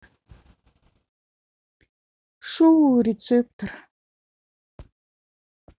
шоу рецептор